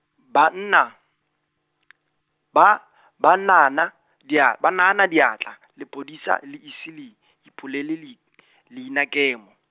banna , ba , banana dia-, ba naana diatla, lepodisa le ise le, ipolele le- , leinakemo.